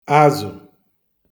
azụ̀